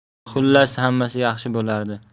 xullas xammasi yaxshi bo'ladi